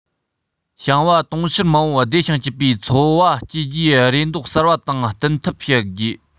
ཞིང པ དུང ཕྱུར མང པོ བདེ ཞིང སྐྱིད པའི འཚོ བ སྐྱེལ རྒྱུའི རེ འདོད གསར པ དང བསྟུན ཐབས བྱ རྒྱུ